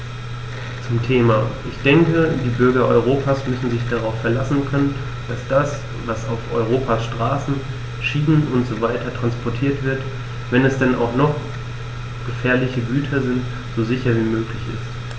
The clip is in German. Zum Thema: Ich denke, die Bürger Europas müssen sich darauf verlassen können, dass das, was auf Europas Straßen, Schienen usw. transportiert wird, wenn es denn auch noch gefährliche Güter sind, so sicher wie möglich ist.